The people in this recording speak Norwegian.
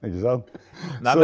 ikke sant så.